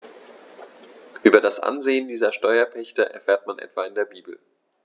Über das Ansehen dieser Steuerpächter erfährt man etwa in der Bibel.